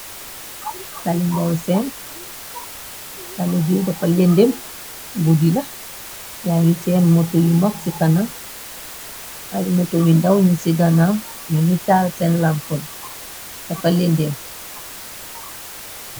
Taali lai sehn, tali bii dafa leundem, gudi na, yaangy sehnn motor yu mak cii kanam, aiiy motor yu ndaw njung cii ganaw, njungy taal sehn lampu yii, dafa leundem.